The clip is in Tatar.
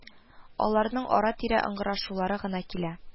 Аларның ара-тирә ыңгырашулары гына килә